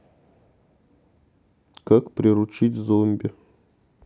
как приручить зомби